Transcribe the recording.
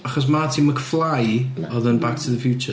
Achos Marty McFly oedd yn Back to the Future.